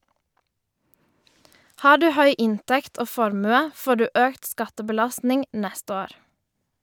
Har du høy inntekt og formue, får du økt skattebelastning neste år.